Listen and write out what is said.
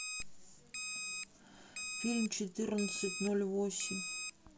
фильм четырнадцать ноль восемь